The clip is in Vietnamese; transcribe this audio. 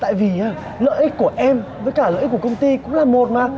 tại vì á lợi ích của em với cả lợi ích của công ty cũng là một mà